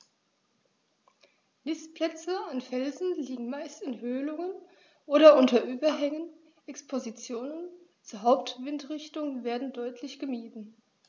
Nistplätze an Felsen liegen meist in Höhlungen oder unter Überhängen, Expositionen zur Hauptwindrichtung werden deutlich gemieden.